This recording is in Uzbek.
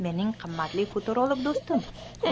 mening qimmatli futurolog do'stim